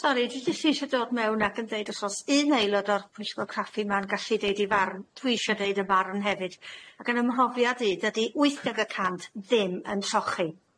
Sori dwi jyst isie dod mewn ac yn deud os o's un aelod o'r pwyllgor craffu 'ma'n gallu deud 'i farn, dwi isie deud 'yn farn hefyd, ac yn 'y mhrofiad i dydi wyth deg y cant ddim yn trochi.